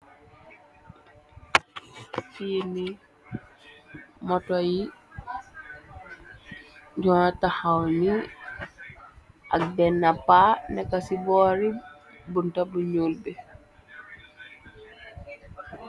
Fi nee moto yi nyu taxaw nee ak bena pa neka si bori bunta bu nuul bi.